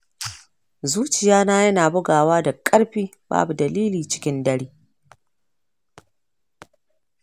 zuciyana yana bugawa da ƙarfi babu dalili cikin dare.